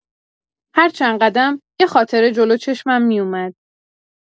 هر چند قدم، یه خاطره جلو چشمم می‌اومد.